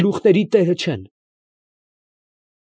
Գլուխների տերը չեն…։